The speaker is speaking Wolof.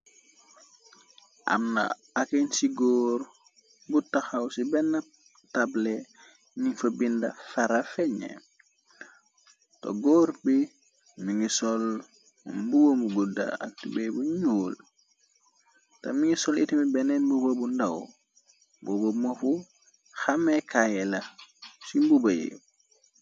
Amn aken ci góor, bu taxaw ci benn table ñi fa bind fara feñe, te góor bi mi ngi sol mbuba mu gudd, ak tibay bu ñuul, te mingi sol itami beneen mbuba bu ndaw, boba mofu xame kaaye la ci mbuba yi.